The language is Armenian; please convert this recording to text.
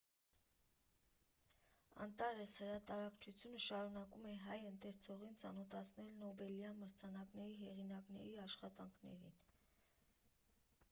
«Անտարես» հրատարակչությունը շարունակում է հայ ընթերցողին ծանոթացնել Նոբելյան մրցանակակիր հեղինակների աշխատանքներին։